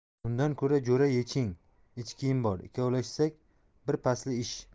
undan ko'ra jo'ra yechining ishkiyim bor ikkovlashsak birpasli ish